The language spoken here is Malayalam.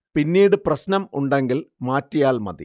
പിന്നീട് പ്രശ്നം ഉണ്ടെങ്കിൽ മാറ്റിയാൽ മതി